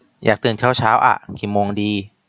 อยากตื่นเช้าเช้าอะกี่โมงดี